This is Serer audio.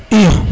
iyo